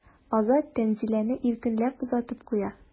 Азат Тәнзиләне иркенләп озатып куя.